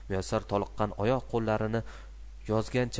muyassar toliqqan oyoq qo'llarini yozgancha